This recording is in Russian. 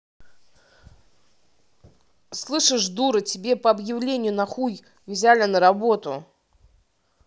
слышишь дура тебе по объявлению на хуй взяли на работу